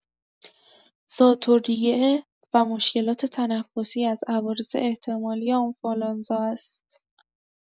ذات‌الریه و مشکلات تنفسی از عوارض احتمالی آنفولانزا است.